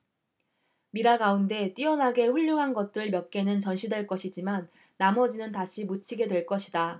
미라 가운데 뛰어나게 훌륭한 것들 몇 개는 전시될 것이지만 나머지는 다시 묻히게 될 것이다